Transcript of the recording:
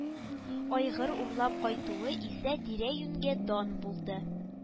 Айгыр урлап кайтуы исә тирә-юньгә дан булды